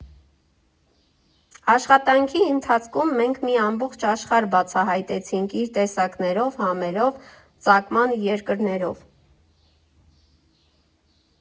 Աշխատանքի ընթացքում մենք մի ամբողջ աշխարհ բացահայտեցինք՝ իր տեսակներով, համերով, ծագման երկրներով…